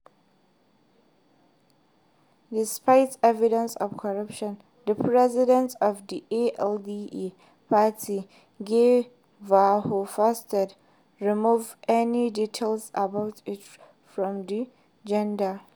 Despite evidence of corruption, the president of the ALDE party, Guy Verhofstadt, removed any debate about it from the agenda.